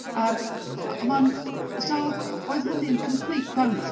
A'r a 'wan so, oedd hynny yn complete bonus.